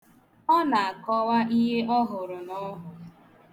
Ọ na-akọwa ihe ọ hụrụ n' ọhụ.